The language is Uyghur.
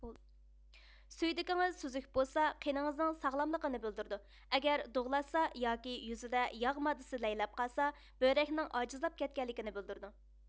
سۈيدۈكىڭىز سۈزۈك بولسا قېنىڭىزنىڭ ساغلاملىقنى بىلدۈرىدۇ ئەگەر دۇغلاشسا ياكى يۈزىدە ياغ ماددىسى لەيلەپ قالسا بۆرەكنىڭ ئاجىزلاپ كەتكەنلىكىنى بىلدۈرىدۇ